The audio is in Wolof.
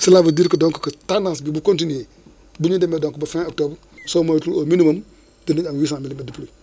cela veut dire que donc que tenadance bi bu continué :!fra bu ñu demee donc ba fin octobre soo moytuwul au minimum danaén am 800 milimètres de pluie